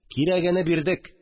Кирәгене бирдек